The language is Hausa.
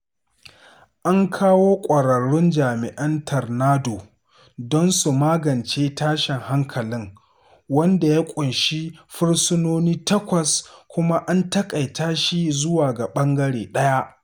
An kawo ƙwararrun jami’an "Tornado" don su magance tashin hankalin, wanda ya ƙunshi fursunoni takwas kuma an taƙaita shi zuwa ga ɓangare ɗaya.